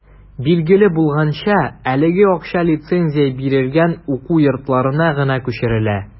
Билгеле булганча, әлеге акча лицензия бирелгән уку йортларына гына күчерелә.